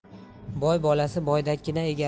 boy bolasi boydakkina